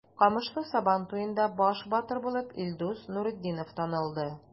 Камышлы Сабан туенда баш батыр булып Илдус Нуретдинов танылды.